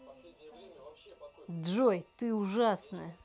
джой ты ужасная